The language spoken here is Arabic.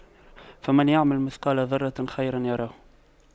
فَمَن يَعمَل مِثقَالَ ذَرَّةٍ خَيرًا يَرَهُ